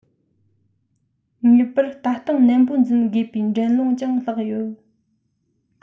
ངེས པར ལྟ སྟངས ནན པོ འཛིན དགོས པའི འགྲན སློང ཀྱང ལྷགས ཡོད